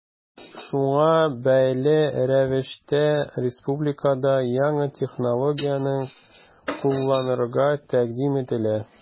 Шуңа бәйле рәвештә республикада яңа технологияне кулланырга тәкъдим ителә.